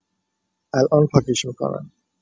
الان پاکش می‌کنم